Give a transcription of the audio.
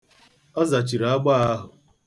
Ọ zachiri agbọọ ahụ.